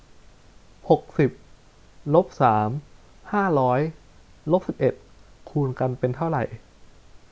หกสิบลบสามห้าร้อยลบสิบเอ็ดคูณกันเป็นเท่าไหร่